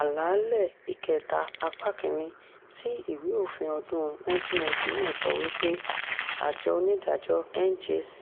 Àlàálẹ̀ Ìkẹta, Apá 1, ti ìwé òfin ọdún-un 1999 sọ wípé Àjọ Onídàájọ́ (NJC)